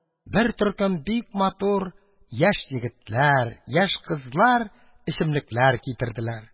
Бер төркем бик матур яшь егетләр, яшь кызлар эчемлекләр китерделәр